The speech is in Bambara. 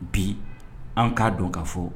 Bi an k'a dɔn ka fɔ